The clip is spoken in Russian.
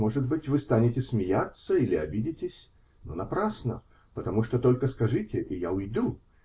Может быть, вы станете смеяться или обидитесь, но напрасно, потому что только скажите и я уйду.